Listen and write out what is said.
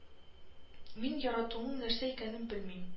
Мин яратуың нәрсә икәнен белмим